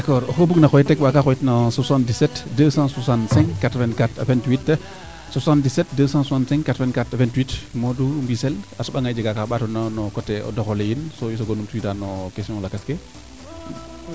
d;accord oxu bugna xoyit rek waaga xoyit na 772658428 772658428 Modou Mbisel a soɓa nagaaye jega kaa ɓaatona coté o doxo le yiin so i soogo numtu wwida no question lakas ke